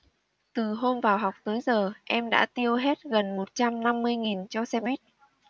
từ hôm vào học tới giờ em đã tiêu hết gần một trăm năm mươi nghìn cho xe buýt